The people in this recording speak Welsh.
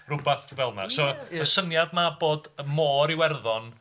Rhywbeth fel 'na, so y syniad yma bod y Môr Iwerddon...